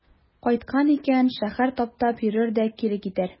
Кайткан икән, шәһәр таптап йөрер дә кире китәр.